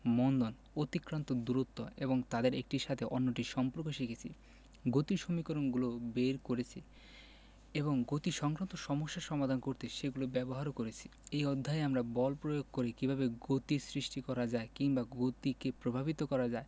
মন্দন অতিক্রান্ত দূরত্ব এবং তাদের একটির সাথে অন্যটির সম্পর্ক শিখেছি গতির সমীকরণগুলো বের করেছি এবং গতিসংক্রান্ত সমস্যা সমাধান করতে সেগুলো ব্যবহারও করেছি এই অধ্যায়ে আমরা বল প্রয়োগ করে কীভাবে গতির সৃষ্টি করা যায় কিংবা গতিকে প্রভাবিত করা যায়